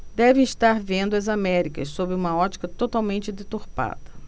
devem estar vendo as américas sob uma ótica totalmente deturpada